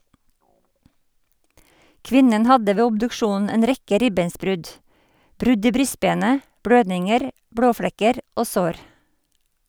Kvinnen hadde ved obduksjonen en rekke ribbensbrudd, brudd i brystbenet , blødninger, blåflekker og sår.